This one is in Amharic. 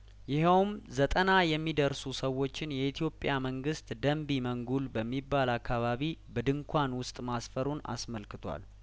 ይኸውም ዘጠና የሚደርሱ ሰዎችን የኢትዮጵያ መንግስት ደን ቢመንጉል በሚባል አካባቢ በድንኳን ውስጥ ማስፈሩን አስመልክቷል